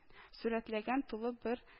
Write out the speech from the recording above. Сурәтләгән тулы бер